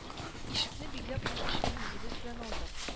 Ишекне бикләп ачкычны үзебез белән алдык